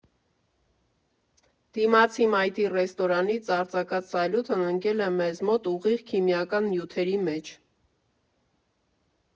Դիմացի մայթի ռեստորանից արձակած սալյուտն ընկել է մեզ մոտ՝ ուղիղ քիմիական նյութերի մեջ»։